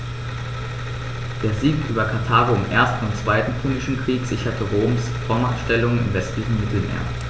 Der Sieg über Karthago im 1. und 2. Punischen Krieg sicherte Roms Vormachtstellung im westlichen Mittelmeer.